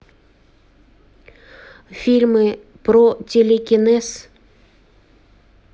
фильмы про телекинез